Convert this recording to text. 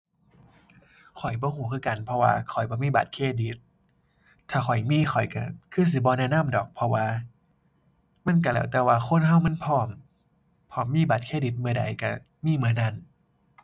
ข้อยบ่รู้คือกัน เพราะว่าข้อยบ่มีบัตรเครดิต ถ้าข้อยมีข้อยรู้คือสิบ่แนะนำดอก เพราะว่ามันรู้แล้วแต่ว่าคนรู้มันพร้อม พร้อมมีบัตรเครดิตเมื่อใดรู้มีเมื่อนั้น